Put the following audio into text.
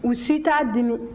u si t'a dimi